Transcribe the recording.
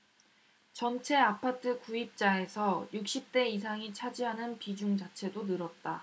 전체 아파트 구입자에서 육십 대 이상이 차지하는 비중 자체도 늘었다